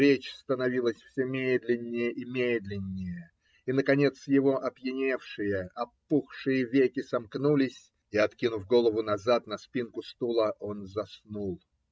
Речь становилась все медленнее и медленнее, и наконец его опьяневшие, опухшие веки сомкнулись, и, откинув голову назад на спинку стула, он заснул.